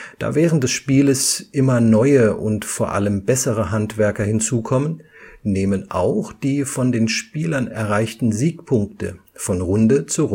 Da während des Spieles immer neue und vor allem bessere Handwerker hinzukommen, nehmen auch die von den Spielern erreichten Siegpunkte von Runde zu